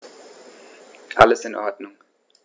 Alles in Ordnung.